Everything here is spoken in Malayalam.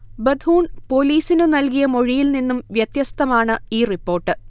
ബഥൂൺ പോലീസിനു നൽകിയ മൊഴിയിൽ നിന്നും വ്യത്യസ്തമാണ് ഈ റിപ്പോർട്ട്